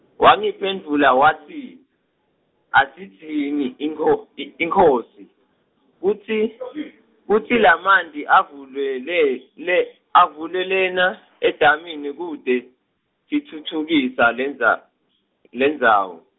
Wangiphendvula watsi, asidzingi inkho- i- inkhosi, kutsi , kutsi lamanti avulele, le, avule lena, edamini kute, sitfutfukise lendzaw- lendzawo.